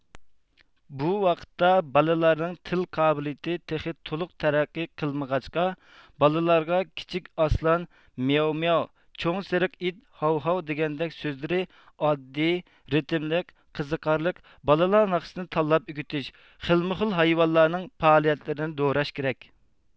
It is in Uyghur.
بۇ ۋاقىتتا بالىلارنىڭ تىل قابىلىيىتى تېخى تولۇق تەرەققىي قىلمىغاچقا بالىلارغا كىچىك ئاسلان مىياۋ مىياۋ چوڭ سېرىق ئىت ھاۋ ھاۋ دېگەندەك سۆزلىرى ئاددىي رىتىملىق قىزىقارلىق بالىلار ناخشىسىنى تاللاپ ئۆگىتىش خىلمۇخىل ھايۋانلارنىڭ پائالىيەتلىرىنى دوراش كېرەك